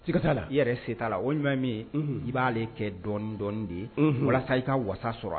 Si ka t'a la i yɛrɛ se t'a la o ɲuman min ye i b'aale kɛ dɔndɔ de ye walasa i ka wasa sɔrɔ